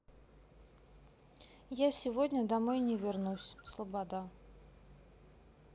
я сегодня домой не вернусь слобода